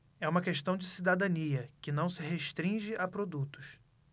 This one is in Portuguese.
é uma questão de cidadania que não se restringe a produtos